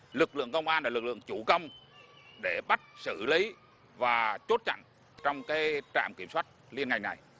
lực lượng công an là lực lượng chủ công để bắt xử lý và chốt chặn trong cái trạm kiểm soát liên ngành này